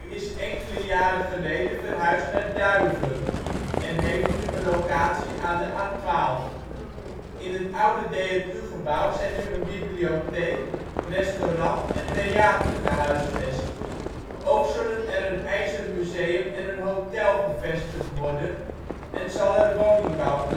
is enkele jaren geleden verhuisd naar Duiven, en heeft nu een locatie aan de A12. In het oude DRU-gebouw zijn nu een bibliotheek, restaurant en theater gehuisvest. Ook zullen er een ijzermuseum en een hotel gevestigd worden en zal er woningbouw plaatsvinden